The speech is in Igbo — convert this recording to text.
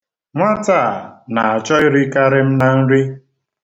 Nwata a na-achọ irikari m na nri.